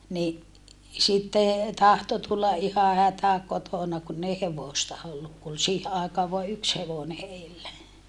niin sitten tahtoi tulla ihan hätä kotona kun ei hevosta ollut kun oli siihen aikaan vain yksi hevonen heillä